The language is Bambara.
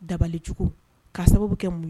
Dabalijugu k'a sababu bɛ kɛ mun